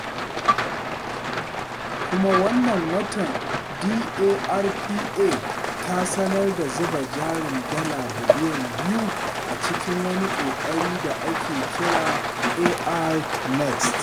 Kuma wannan watan DARPA ta sanar da zuba jarin dala biliyan 2 a cikin wani ƙoƙari da ake kira AI Next.